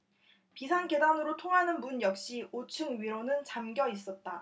비상계단으로 통하는 문 역시 오 층 위로는 잠겨 있었다